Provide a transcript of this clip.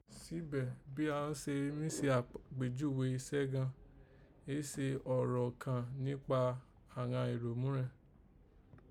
Síbẹ̀, bí àán se sàpèjúghe isẹ́ ghan, éè se ọ̀rọ̀ kàn níkpa àghan èrò múrẹ̀n